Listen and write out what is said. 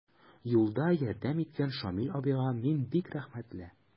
Юлда ярдәм иткән Шамил абыйга мин бик рәхмәтле.